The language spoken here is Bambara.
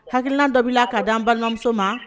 Hakiliki dɔ b k'a di an balimamuso ma